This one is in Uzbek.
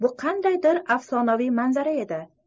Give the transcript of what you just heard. bu qandaydir afsonaviy manzara edi